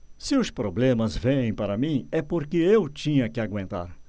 se os problemas vêm para mim é porque eu tinha que aguentar